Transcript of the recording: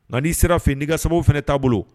Nka n'i sera fɛ n'i ka sababu fana'a bolo